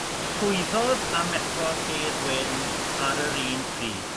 llwyddodd a methodd Hedd Wyn ar yr un pryd.